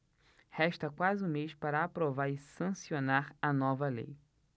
resta quase um mês para aprovar e sancionar a nova lei